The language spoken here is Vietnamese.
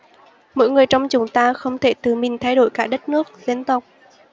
mỗi người trong chúng ta không thể tự mình thay đổi cả đất nước dân tộc